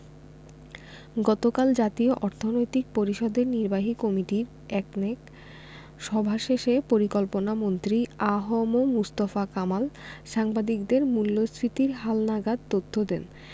গতকাল জাতীয় অর্থনৈতিক পরিষদের নির্বাহী কমিটির একনেক সভা শেষে পরিকল্পনামন্ত্রী আ হ ম মুস্তফা কামাল সাংবাদিকদের মূল্যস্ফীতির হালনাগাদ তথ্য দেন